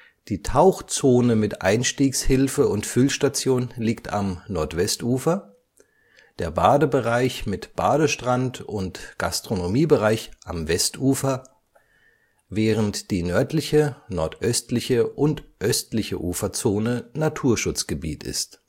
Die Tauchzone mit Einstiegshilfe und Füllstation liegt am Nordwestufer, der Badebereich mit Badestrand und Gastronomiebereich am Westufer, während die nördliche, nordöstliche und östliche Uferzone Naturschutzgebiet ist